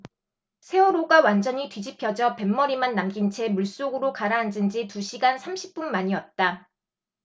세월호가 완전히 뒤집혀져 뱃머리만 남긴 채 물속으로 가라앉은 지 두 시간 삼십 분 만이었다